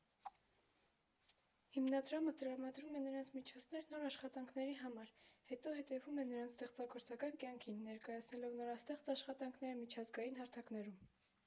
Հիմնադրամը տրամադրում է նրանց միջոցներ նոր աշխատանքների համար, հետո հետևում է նրանց ստեղծագործական կյանքին, ներկայացնելով նորաաստեղծ աշխատանքները միջազգային հարթակներում։